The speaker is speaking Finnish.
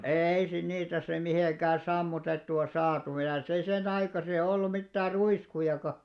ei siinä niitä sitten mitenkään sammutettua saatu ja eihän se senaikaisia ollut mitään ruiskujakaan